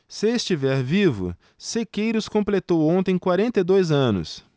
se estiver vivo sequeiros completou ontem quarenta e dois anos